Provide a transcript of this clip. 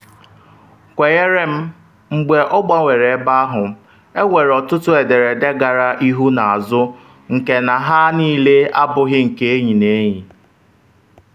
Kwenyere m, mgbe ọ gbanwere ebe ahụ, enwere ọtụtụ ederede gara ihu na azụ nke na ha niile abụghị nke enyi na enyi.